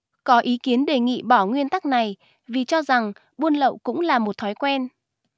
có ý kiến đề nghị bỏ nguyên tắc này vì cho rằng buôn lậu cũng là một thói quen